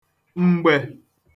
m̀gbè